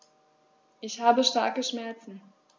Ich habe starke Schmerzen.